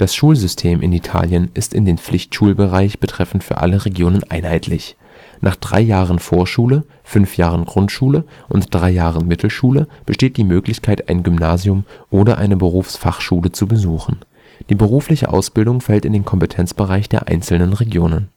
Schulsystem in Italien ist den Pflichtschulbereich betreffend für alle Regionen einheitlich. Nach drei Jahren Vorschule, fünf Jahren Grundschule und drei Jahren Mittelschule besteht die Möglichkeit, ein Gymnasium oder eine Berufsfachschule zu besuchen. Die berufliche Ausbildung fällt in den Kompetenzbereich der einzelnen Regionen